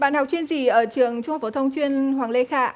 bạn học chuyên gì ở trường trung học phổ thông chuyên hoàng lê kha ạ